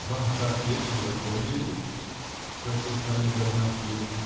-- Вам так весело верхом ездить? -- спросил Санин, догнав ее.